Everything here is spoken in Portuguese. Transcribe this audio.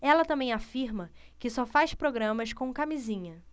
ela também afirma que só faz programas com camisinha